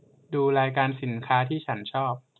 ดูรายการสินค้าที่ฉันชอบ